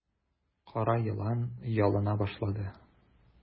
Кара елан ялына башлады.